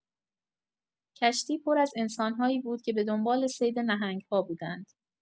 کشتی پر از انسان‌هایی بود که به دنبال صید نهنگ‌ها بودند.